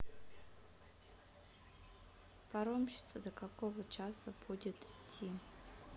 паромщица до какого часа будет идти